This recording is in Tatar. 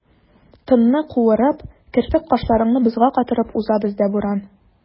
Тынны куырып, керфек-кашларыңны бозга катырып уза бездә буран.